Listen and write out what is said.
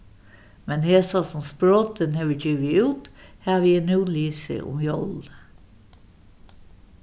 men hesa sum sprotin hevur givið út havi eg nú lisið um jólini